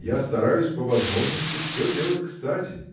– Я стараюсь, по возможности, все делать кстати.